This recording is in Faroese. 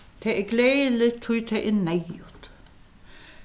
tað er gleðiligt tí tað er neyðugt